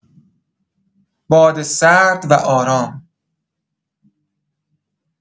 باد سرد و آرام